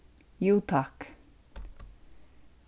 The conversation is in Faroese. jú takk